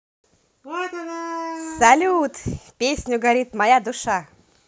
салют песню горит моя душа